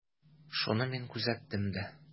Шуны мин күзәттем дә.